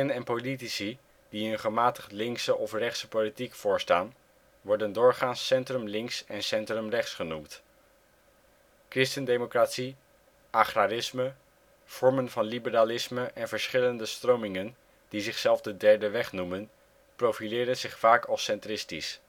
en politici die een gematigd linkse of rechtse politiek voorstaan worden doorgaans centrum-links en centrum-rechts genoemd. Christendemocratie, agrarisme, vormen van liberalisme en verschillende stromingen die zichzelf de Derde Weg noemen profileren zich vaak als centristisch